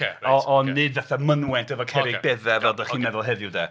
O- ond nid fatha mynwent efo cerrig beddau fel dach chi'n meddwl heddiw 'de.